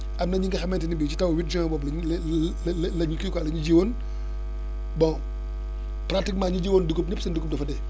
am na ñi nga xamante ni bii si taw huit juin boobu lañu la la ñu kii quoi la ñu jiyoon bon pratiquement ñi jiwoon dugub ñëpp seen dugub dafa dee